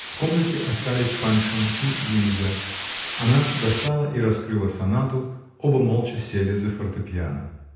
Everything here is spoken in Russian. В комнате остались Паншин и Лиза она достала и раскрыла сонату оба молча сели за фортепьяно.